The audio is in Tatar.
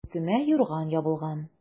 Өстемә юрган ябылган.